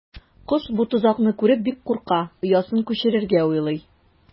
Кош бу тозакны күреп бик курка, оясын күчерергә уйлый.